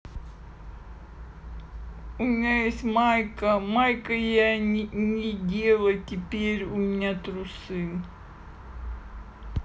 у меня у меня есть майка майкой я не дела теперь у меня трусы